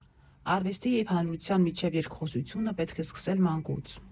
Արվեստի և հանրության միջև երկխոսությունը պետք է սկսել մանկուց»։